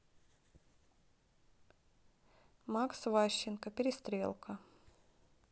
макс ващенко перестрелка